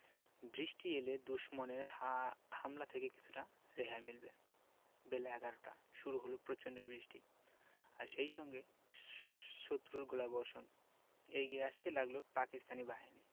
বৃষ্টি এলে দুশমনের হামলা থেকে কিছুটা রেহাই মিলবে বেলা এগারোটা শুরু হলো প্রচণ্ড বৃষ্টি আর সেই সঙ্গে শত্রুর গোলাবর্ষণ এগিয়ে আসতে লাগল পাকিস্তানি বাহিনী